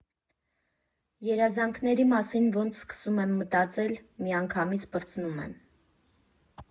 Երազանքների մասին ոնց սկսում եմ մտածել, միանգամից պրծնում եմ.